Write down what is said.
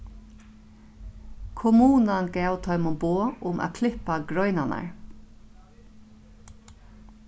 kommunan gav teimum boð um at klippa greinarnar